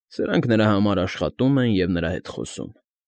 Սրանք նրա համար աշխատում են և նրա հետ խոսում։